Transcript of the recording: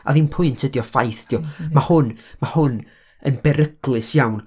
A ddim pwynt ydy o, ffaith 'di o. Ma' hwn, ma' hwn yn beryglus iawn.